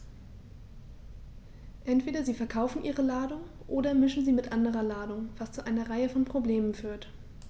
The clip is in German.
Entweder sie verkaufen ihre Ladung oder mischen sie mit anderer Ladung, was zu einer Reihe von Problemen führt.